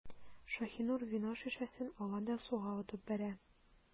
Шаһинур вино шешәсен ала да суга атып бәрә.